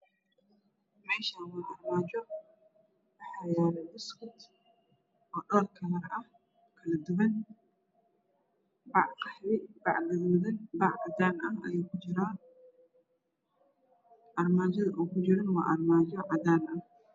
Meeshaan waa armaajo waxa yaalo bustud oo dhowr karar ah oo duban bac qahwe, bac gaduudan, bac cadaan ah ayey ku jiraan ,armaajoda uu ku jiraan waa armaajo cadaan ah